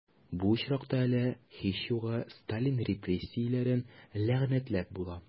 Бу очракта әле, һич югы, Сталин репрессияләрен ләгънәтләп була...